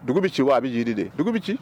Dugu bɛ ci wa a bɛ jiri de dugu bɛ ci